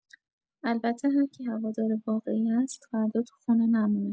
البته هرکی هوادار واقعی هست فردا تو خونه نمونه